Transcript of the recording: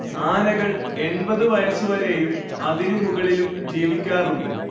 ആനകൾ എൺപത് വയസ്സ് വരെയും അതിനു ‍മുകളിലും ജീവിക്കാറുണ്ട്